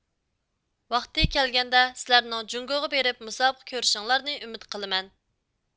ۋاقتى كەلگەندە سىلەرنىڭ جۇڭگۇغا بىرىپ مۇسابىقە كۆرۈشۈڭلارنى ئۈمىد قىلىمەن